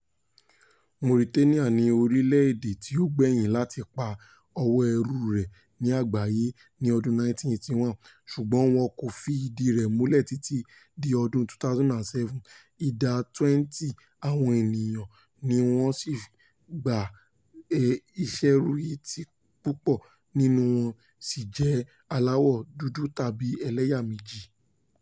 Mauritania ni orílẹ̀-èdè tí ó gbẹ́yìn láti pa òwò-ẹrú rẹ ní àgbáyé ní ọdún 1981, ṣùgbọ́n wọn kò fi ìdíi rẹ̀ múlẹ̀ títí di ọdún 2007, ìdá 20 àwọn ènìyàn ni wọ́n ṣì ń gbáyé ìṣẹrúsìn tí púpọ̀ nínú wọn sì jẹ́ aláwọ̀ dúdú tàbí elẹ́yà-méjì.